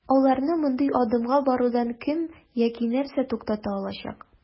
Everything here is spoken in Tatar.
Аларны мондый адымга барудан кем яки нәрсә туктата алачак?